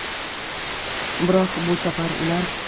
biroq bu safar ular